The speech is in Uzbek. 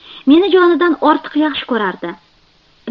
meni jonidan ortiq yaxshi ko'rardi